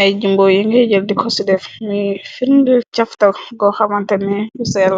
ay jimboo yi ngay jël di kosi def mi firndil cafta go xamanteni bu sell.